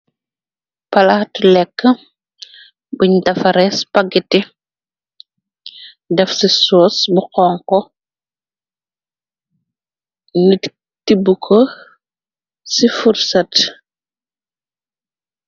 Palaatu lekk buñ dafarees pagite def ci sooz bu xonko nit ti buko ci furset.